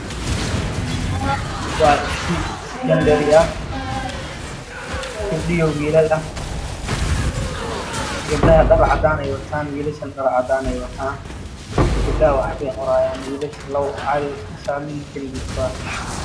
Waa school secondary ah